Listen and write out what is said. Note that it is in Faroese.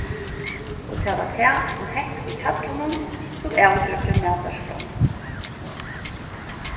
og tað var tað sum hekk í hjallinum sum avgjørdi matarskránna